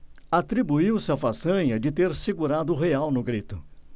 atribuiu-se a façanha de ter segurado o real no grito